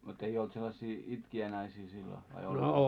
mutta ei ollut sellaisia itkijänaisia silloin vai oliko